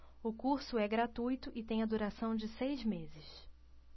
o curso é gratuito e tem a duração de seis meses